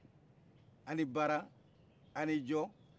a ni baara ani jɔ